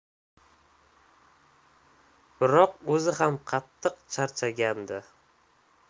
biroq o'zi ham qattiq charchagandi